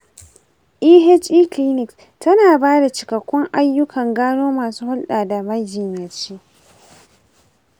eha clinics tana ba da cikakkun ayyukan gano masu hulɗa da majiyyaci.